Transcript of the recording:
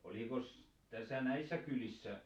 olikos tässä näissä kylissä